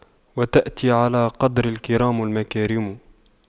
وتأتي على قدر الكرام المكارم